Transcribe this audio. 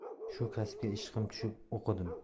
shu kasbga ishqim tushib o'qidim